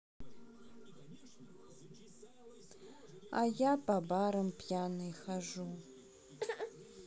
а я по барам пьяный хожу